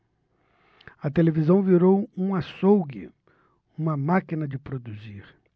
a televisão virou um açougue uma máquina de produzir